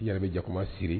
I yɛrɛ bɛjakuma siri